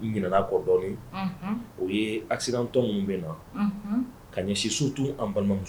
Minɛn'a kɔ dɔɔnin o ye a sirantɔnw bɛ na ka ɲɛ si su tun an balimamuso